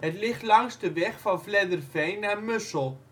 ligt langs de weg van Vledderveen naar Mussel